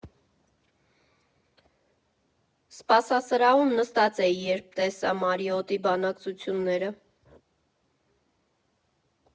Սպասասրահում նստած էի, երբ տեսա «Մարիոթի» բանակցությունները։